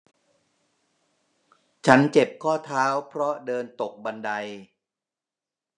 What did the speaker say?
ฉันเจ็บข้อเท้าเพราะเดินตกบันได